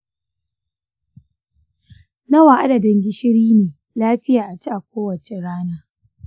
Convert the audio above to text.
nawa adadadin gishiri ne lafiya a ci a kowace rana?